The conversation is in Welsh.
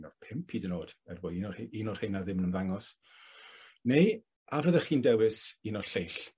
Un o'r pump hyd yn o'd er bo un o rhei- un o rheina ddim yn ymddangos. Neu a fyddech chi'n dewis un o'r lleill?